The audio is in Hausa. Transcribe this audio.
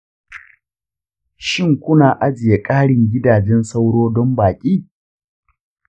shin kuna ajiye ƙarin gidajen sauro don baƙi?